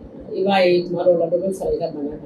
I b'a ye tuma dɔw la dɔ bɛ far'i ka bonya kan.